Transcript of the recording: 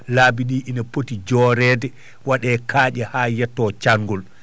laabi ɗi ine poti jooreede waɗee kaaƴe haa yetto caangol